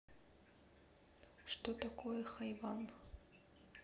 что такое хайван